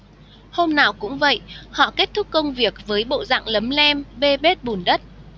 hôm nào cũng vậy họ kết thúc công việc với bộ dạng lấm lem bê bết bùn đất